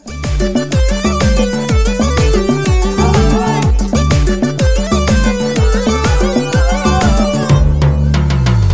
music